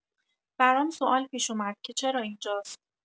برام سوال پیش اومد که چرا اینجاست؟